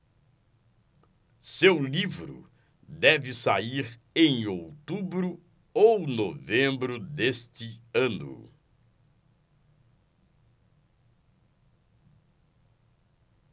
seu livro deve sair em outubro ou novembro deste ano